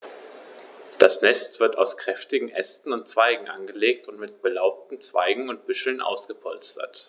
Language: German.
Das Nest wird aus kräftigen Ästen und Zweigen angelegt und mit belaubten Zweigen und Büscheln ausgepolstert.